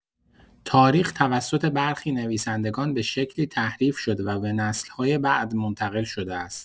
تاریخ توسط برخی نویسندگان به شکلی تحریف‌شده به نسل‌های بعد منتقل شده است.